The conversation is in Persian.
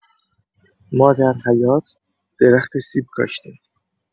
ما در حیاط درخت سیب کاشتیم.